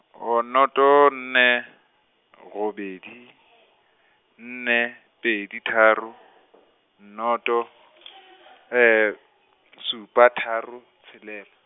oh noto nne, robedi , nne, pedi tharo , noto ,, supa tharo, tshelela.